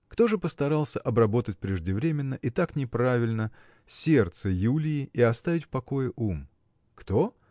Кто же постарался обработать преждевременно и так неправильно сердце Юлии и оставить в покое ум?. Кто?